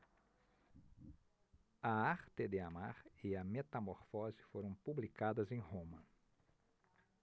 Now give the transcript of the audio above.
a arte de amar e a metamorfose foram publicadas em roma